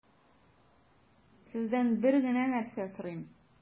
Сездән бер генә нәрсә сорыйм: